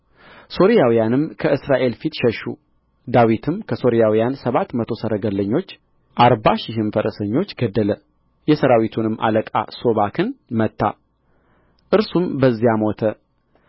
ሶርያውያንም ከእስራኤል ፊት ሸሹ ዳዊትም ከሶርያውያን ሰባት መቶ ሰረገለኞች አርባ ሺህም ፈረሰኞች ገደለ የሠራዊቱንም አለቃ ሶባክን መታ እርሱም በዚያ ሞተ